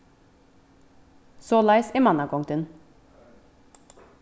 soleiðis er mannagongdin